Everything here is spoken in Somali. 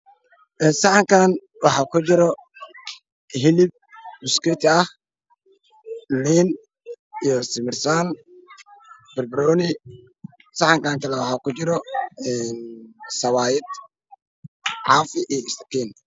Saxankan waxaa ku jiro hilib iskiti ah liin iyo simirsan barbanooni saxankan kale waxaa ku jiro sabaayad caafi iyo istakiin